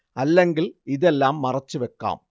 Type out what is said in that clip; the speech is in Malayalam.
അല്ലെങ്കിൽ ഇതെല്ലാം മറച്ചുവെക്കാം